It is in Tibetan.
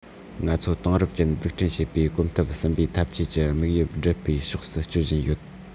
ང ཚོ དེང རབས ཅན འཛུགས སྐྲུན བྱེད པའི གོམ སྟབས གསུམ པའི འཐབ ཇུས ཀྱི དམིགས ཡུལ སྒྲུབ པའི ཕྱོགས སུ སྐྱོད བཞིན ཡོད